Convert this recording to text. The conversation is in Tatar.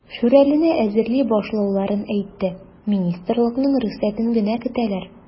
"шүрәле"не әзерли башлауларын әйтте, министрлыкның рөхсәтен генә көтәләр.